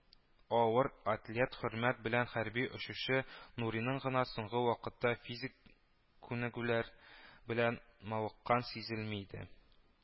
Авыр атлет хөрмәт белән хәрби очучы нуриның гына соңгы вакытта физик күнегүләр белән мавыкканы сизелми иде